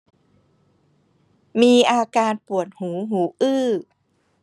มีอาการปวดหูหูอื้อ